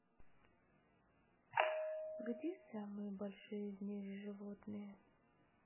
где самые большие в мире животные